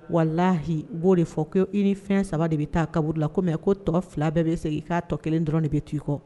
Wala lahi b'o de fɔ ko i ni fɛn saba de bɛ taa kaburu la kɔmi ko tɔgɔ fila bɛɛ bɛ segin i k'a tɔ kelen dɔrɔn de bɛ to i kɔ